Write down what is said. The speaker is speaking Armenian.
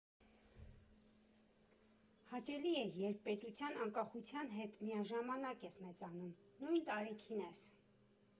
Հաճելի է, երբ պետության անկախության հետ միաժամանակ ես մեծանում, նույն տարիքին ես։